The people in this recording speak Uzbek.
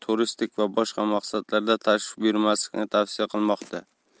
turistik va boshqa maqsadlarda tashrif buyurmaslikni tavsiya qilmoqda